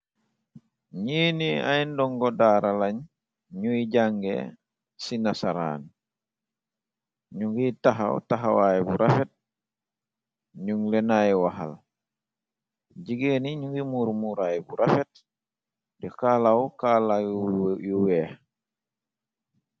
ñii ni ay ndongo daaralañ ñuy jànge ci na saraan ñu ngiy taxaw taxawaay bu rafet ñung lenaay waxal jigeen ni ñu ngi muur muraay bu rafet di kaalaaw kaalaaw yu weex.